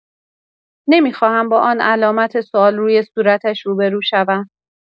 نمی‌خواهم با آن علامت سوال روی صورتش روبه‌رو شوم.